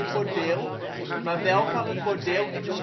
bordeel, maar wel van het bordeel in de